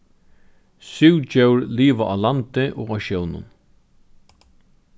súgdjór liva á landi og á sjónum